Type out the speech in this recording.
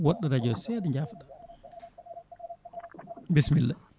woɗɗo radio o seeɗa jafoɗa bisimilla